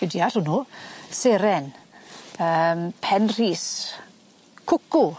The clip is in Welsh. Fi'n deall wnnw. Seren. Yym Pen Rhys. Cwcw.